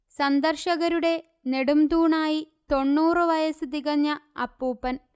സന്ദർശകരുടെ നെടുംതൂണായി തൊണ്ണൂറ് വയസ്സ് തികഞ്ഞ അപ്പൂപ്പൻ